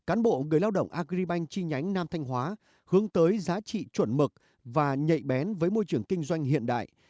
cán bộ người lao động a gờ ri banh chi nhánh nam thanh hóa hướng tới giá trị chuẩn mực và nhạy bén với môi trường kinh doanh hiện đại